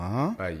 H ayi